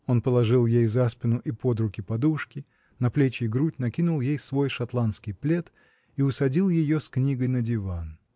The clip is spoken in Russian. Он положил ей за спину и под руки подушки, на плечи и грудь накинул ей свой шотландский плед и усадил ее с книгой на диван.